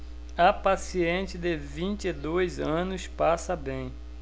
a paciente de vinte e dois anos passa bem